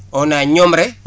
on a Niomre